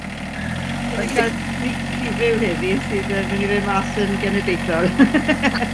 Dwi 'di ca'l unique preview heddi sydd yy myn' i fynd mas yn genedlaethol.